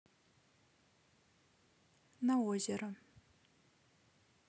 на озеро